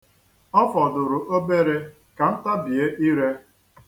Ọ fọdụrụ obere ka m tabie ire.